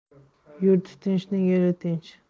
yurti tinchning eli tinch